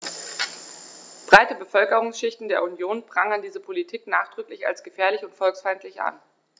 Breite Bevölkerungsschichten der Union prangern diese Politik nachdrücklich als gefährlich und volksfeindlich an.